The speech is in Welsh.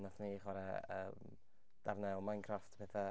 Wnaethon ni chwarae yym darnau o Minecraft a pethau.